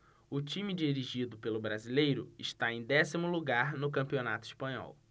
o time dirigido pelo brasileiro está em décimo lugar no campeonato espanhol